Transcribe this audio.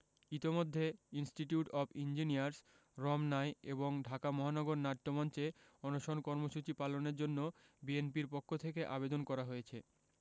ইতোমধ্যে institute of engineers রমনায় এবং ঢাকা মহানগর নাট্যমঞ্চে অনশন কর্মসূচি পালনের জন্য বিএনপির পক্ষ থেকে আবেদন করা হয়েছে